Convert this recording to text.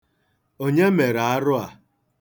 Onye mere arụ a?